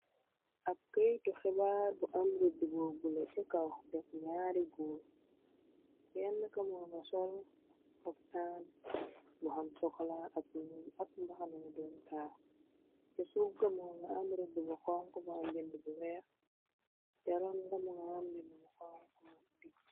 Ab këytu xebaar bu am rudd bo bula ce kaw def ñaari góol yenn kamogo nga sol ab xaftaan mu xam sokola ak nuun ak mbaxanamu dum taa ca suub gamoo nga am rëdd bu xonk bu ambind bu weex jaroon ngamu nga àmmbind bu xonk na diggu.